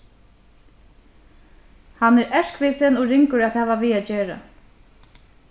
hann er erkvisin og ringur at hava við at gera